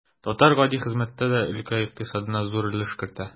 Татар гади хезмәттә дә өлкә икътисадына зур өлеш кертә.